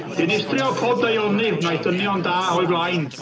Dinistrio pob daioni wnaeth dynion da o'i flaen.